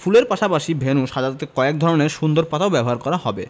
ফুলের পাশাপাশি ভেন্যু সাজাতে কয়েক ধরনের সুন্দর পাতাও ব্যবহার করা হবে